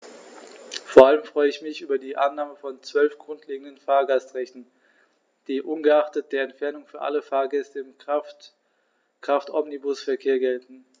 Vor allem freue ich mich über die Annahme von 12 grundlegenden Fahrgastrechten, die ungeachtet der Entfernung für alle Fahrgäste im Kraftomnibusverkehr gelten.